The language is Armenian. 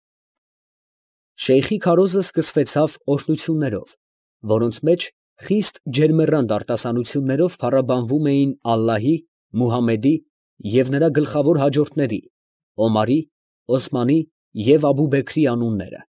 Շեյխի քարոզը սկսվեցավ օրհնություններով, որոնց մեջ խիստ ջերմեռանդ արտասանություններով փառաբանվում էին ալլահի, Մուհամմեդի և նրա գլխավոր հաջորդների՝ Օմարի, Օսմանի և Աբուբեքրի անունները։